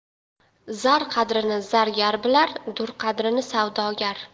zar qadrini zargar bilar dur qadrini savdogar